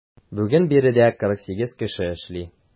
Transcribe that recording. Бүген биредә 48 кеше эшли.